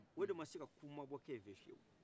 o de ma se ka kun maabɔkɛ in fɛ fewu